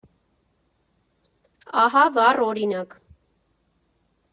Ահա վառ օրինակ.